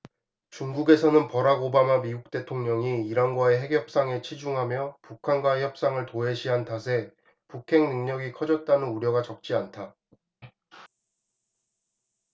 중국에서는 버락 오바마 미국 대통령이 이란과의 핵 협상에 치중하며 북한과의 협상을 도외시한 탓에 북핵 능력이 커졌다는 우려가 적지 않다